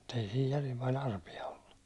mutta ei siinä järin paljon arpia ollut